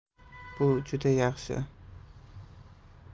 bu juda yaxshi